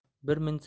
bir minsang ham